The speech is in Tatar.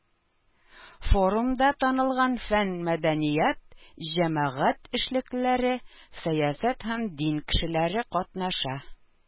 Форумда танылган фән, мәдәният, җәмәгать эшлекләре, сәясәт һәм дин кешеләре катнаша.